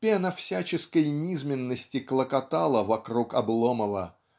Пена всяческой низменности клокотала вокруг Обломова